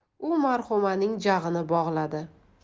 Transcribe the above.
u marhumaning jag'ini bog'ladi